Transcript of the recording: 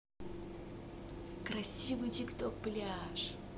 красивый тик ток пляж